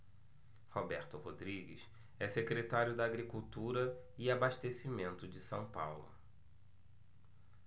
roberto rodrigues é secretário da agricultura e abastecimento de são paulo